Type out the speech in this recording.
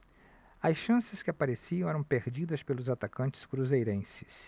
as chances que apareciam eram perdidas pelos atacantes cruzeirenses